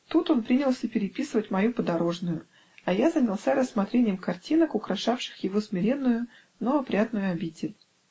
Тут он принялся переписывать мою подорожную, а я занялся рассмотрением картинок, украшавших его смиренную, но опрятную обитель.